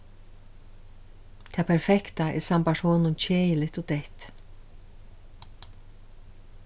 tað perfekta er sambært honum keðiligt og deytt